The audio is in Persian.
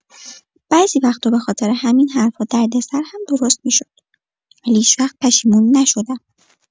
بعضی وقتا به‌خاطر همین حرفا دردسر هم درست می‌شد، ولی هیچ‌وقت پشیمون نشدم.